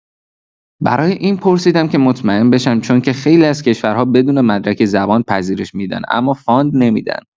برای این پرسیدم که مطمئن بشم چون که خیلی از کشورها بدون مدرک زبان پذیرش می‌دن اما فاند نمی‌دن